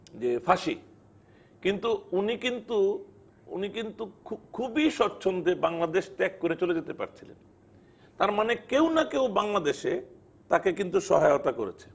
যে ফাঁসি কিন্তু উনি কিন্তু উনি কিন্তু খুবই সচ্ছন্দে বাংলাদেশ ত্যাগ করে চলে যেতে পারছিলেন তার মানে কেউনা কেউ বাংলাদেশে তাকে কিন্তু সহায়তা করেছে